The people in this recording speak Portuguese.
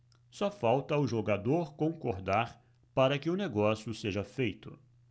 só falta o jogador concordar para que o negócio seja feito